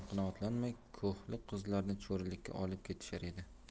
ko'hlik qizlarni cho'rilikka olib ketishar edi